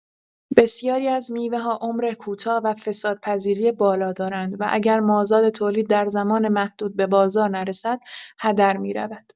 بسیاری از میوه‌ها عمر کوتاه و فسادپذیری بالا دارند و اگر مازاد تولید در زمان محدود به بازار نرسد، هدر می‌رود.